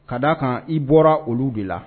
Ka d a kan i bɔra olu de la